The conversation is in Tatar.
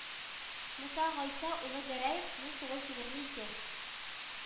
Муса Гайса улы Гәрәев мең тугыз йөз егерме ике